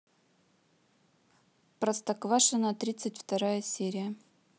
простоквашино тридцать вторая серия